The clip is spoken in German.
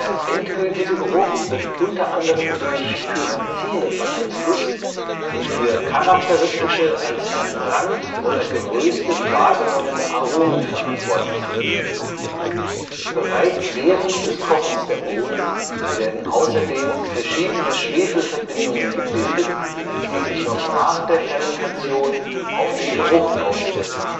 endgültige Geruch wird unter anderem durch Pyrazine beeinflusst, die für charakteristische als verbrannt oder geröstet wahrgenommene Aromen verantwortlich sind. Bereits während des Kochens der Bohnen werden außerdem verschiedene Schwefelverbindungen gebildet, die sich noch nach der Fermentation auf den Geruch auswirken